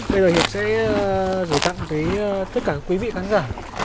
bây giờ hiệp sẽ ơ gửi tặng tới tất cả quý vị khán giả